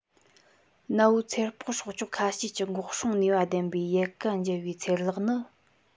གནའ བོའི ཚེར པགས སྲོག ཆགས ཁ ཤས ཀྱི འགོག སྲུང ནུས པ ལྡན པའི ཡལ ག འབྱེད པའི ཚེར ལག ནི